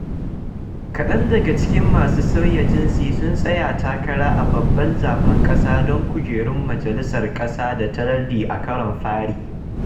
Kaɗan daga cikin masu sauya jinsi sun tsaya takara a babban zaɓen ƙasa don kujerun majalisar ƙasa da ta lardi a karon fari.